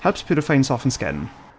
Helps purify and soften skin.